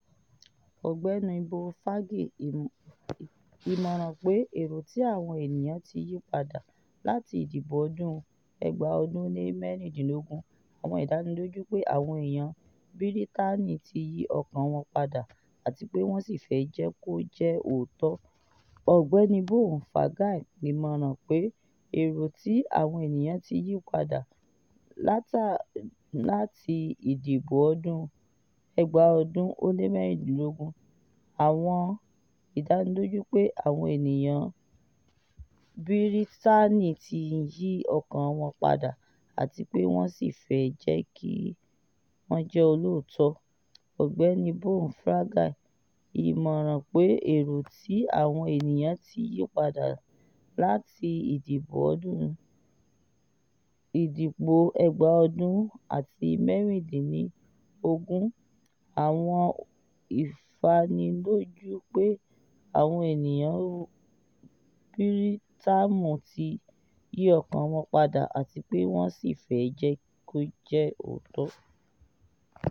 Ọ̀gbẹ́ni Bone fagile ìmọ̀ràn pé èro tí àwọn ènìyàn ti yípadà láti ìdìbò ọdún 2016: 'Àwọn ìdánilójú pé àwọn ènìyàn Bírítànì ti yí ọkàn wọn padà àti pé wọ́n sí fẹ́ jẹ́ kó jẹ́ òótọ́